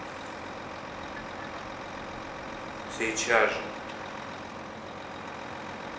сейчас же